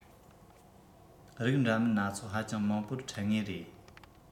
རིགས འདྲ མིན སྣ ཚོགས ཧ ཅང མང པོར འཕྲད ངེས རེད